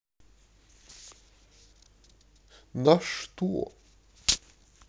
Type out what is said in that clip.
на что